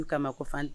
U kama